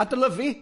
A dylyfu!